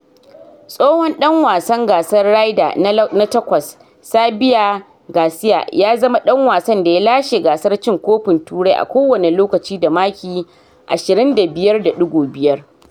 Tsohon dan wasa gasar Ryder na takwas, Serbia Garcia ya zama dan wasan da ya lashe gasar cin kofin Turai a kowane lokaci da maki 25.5.